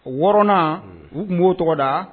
Wɔɔrɔnan u tun b'o tɔgɔ da